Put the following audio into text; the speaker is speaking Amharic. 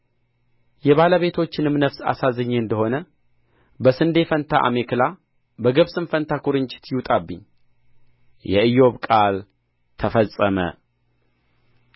የባለቤቶችንም ነፍስ አሳዝኜ እንደ ሆነ በስንዴ ፋንታ አሜከላ በገብስም ፋንታ ኵርንችት ይውጣብኝ የኢዮብ ቃል ተፈጸመ